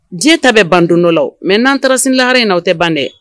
Diɲɛ ta bɛ ban don dɔ dɔ la o mɛ n'an taara sini lahara in na o tɛ ban dɛ.